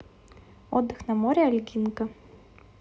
отдых на море ольгинка